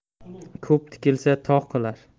ko'p tikilsa tog' qular